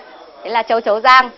là châu chấu rang